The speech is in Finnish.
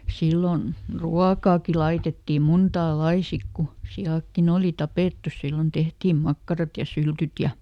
silloin ruokaakin laitettiin montaa lajia sitten kun siatkin oli tapettu silloin tehtiin makkarat ja syltyt ja